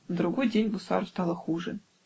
На другой день гусару стало хуже.